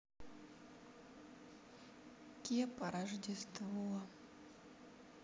кепа рождество